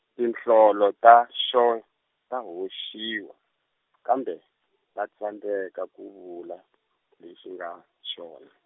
tinhlolo ta xo- ta hoxiwa, kambe ta tsandzeka ku vula, lexi nga xona.